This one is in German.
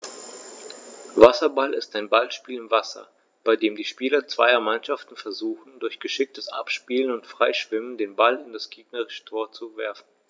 Wasserball ist ein Ballspiel im Wasser, bei dem die Spieler zweier Mannschaften versuchen, durch geschicktes Abspielen und Freischwimmen den Ball in das gegnerische Tor zu werfen.